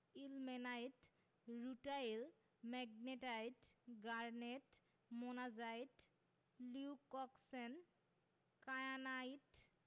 ilmenite rutile magnetite garnet monazite leucoxene kyanite